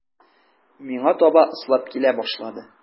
Миңа таба ыслап килә башлады.